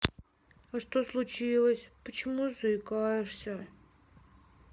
а что случилось почему заикаешься